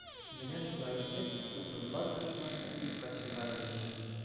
Менә шулай итеп, утызлап дошманны юкка чыгарыр өчен.